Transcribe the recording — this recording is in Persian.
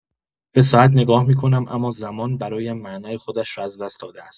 به ساعت نگاه می‌کنم، اما زمان برایم معنای خودش را از دست داده است.